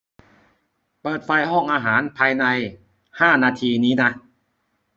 เปิดไฟห้องอาหารภายในห้านาทีนี้นะ